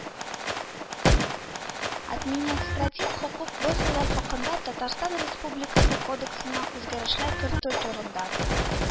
“административ хокук бозулар хакында татарстан республикасы кодексына үзгәрешләр кертү турында”;